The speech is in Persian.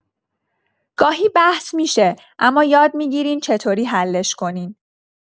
گاهی بحث می‌شه، اما یاد می‌گیرین چطوری حلش کنین.